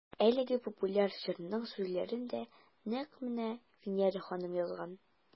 Әлеге популяр җырның сүзләрен дә нәкъ менә Винера ханым язган.